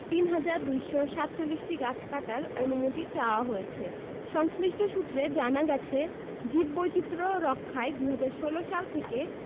৩হাজার ২৪৭টি গাছ কাটার অনুমতি চাওয়া হয়েছে সংশ্লিষ্ট সূত্রে জানা গেছে জীববৈচিত্র্য রক্ষায় ২০১৬ সাল থেকে